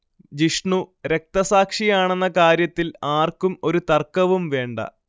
ജിഷ്ണു രക്തസാക്ഷിയാണെന്ന കാര്യത്തിൽ ആർക്കും ഒരു തർക്കവും വേണ്ട